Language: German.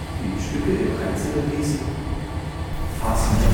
Die Stücke im Einzelnen hießen: Passing